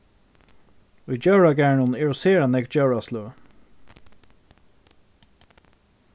í djóragarðinum eru sera nógv djórasløg